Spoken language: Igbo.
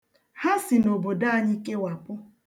Ha si n'obodo anyị kewapụ.